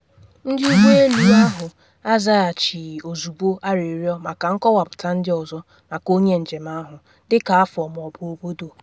Ndị ụgbọ elu ahụ azaghachighi ozugbo arịrịọ maka nkọwapụta ndị ọzọ maka onye njem ahụ, dị ka afọ ma ọ bụ obodo.